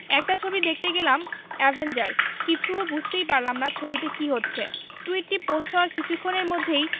একটা ছবি দেখতে গেলাম অ্যাভেঞ্জার্স কিছু বুঝতেই পারলাম না ছবিতে কী হচ্ছে টুইটটি পোস্ট হওয়ার কিছুক্ষণের মধ্যেই